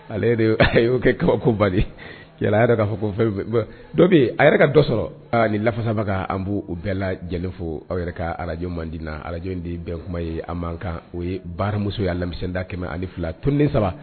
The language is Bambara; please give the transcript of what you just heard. Ale'o kɛ kabako bali yala yɛrɛ'a fɔ dɔ bɛ a yɛrɛ ka dɔ sɔrɔ aaa ni lafasaba ka an' u bɛɛ la lajɛlen fo aw yɛrɛ ka arajo man di na arajo de bɛn kuma ye a man kan o ye baaramuso ye' lamida kɛmɛ ani fila tonen saba